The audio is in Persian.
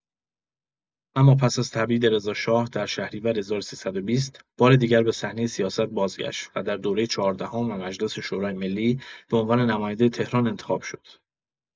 اما پس از تبعید رضاشاه در شهریور ۱۳۲۰، بار دیگر به صحنه سیاست بازگشت و در دوره چهاردهم مجلس شورای‌ملی به‌عنوان نماینده تهران انتخاب شد.